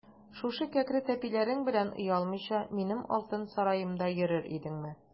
Шушы кәкре тәпиләрең белән оялмыйча минем алтын сараемда йөрер идеңме?